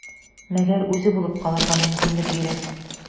Мәгәр үзе булып калырга мөмкинлек бирә.